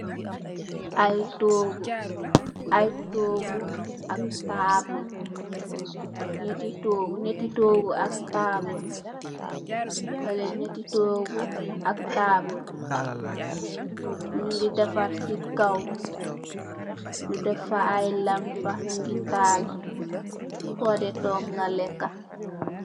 Ay toogu ak taabul. Ñatti toogu ak taabul, ñatti toogu ak taabul ,ñu ngi defar si kow, ñu def fa ay lampa, ñu ngi taal, foo Dee toog nga léékë.